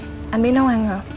anh biết nấu ăn hả